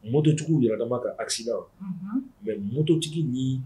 Mototigiw yɛrɛdama ka accident mototigi ni ye